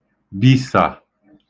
bīsà